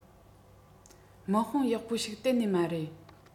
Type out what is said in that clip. དམག དཔོན ཡག པོ ཞིག གཏན ནས མ རེད